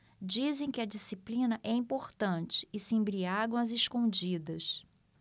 dizem que a disciplina é importante e se embriagam às escondidas